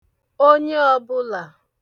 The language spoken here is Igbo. onye ọ̀bụlà